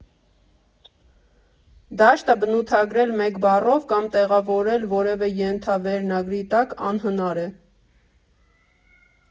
Դաշտը բնութագրել մեկ բառով կամ տեղավորել որևէ ենթավերնագրի տակ անհնար է.